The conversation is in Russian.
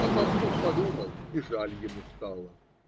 А пастух подумал, и жаль ему стало.